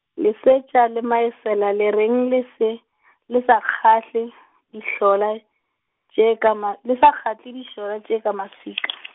Lesetša le Maesela le reng le se, le sa kgahle dihlola, tše ka ma, le sa kgahle dihlola tše ka maswika?